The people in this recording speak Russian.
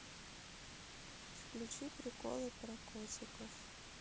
включи приколы про котиков